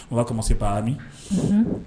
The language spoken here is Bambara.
U' se ba min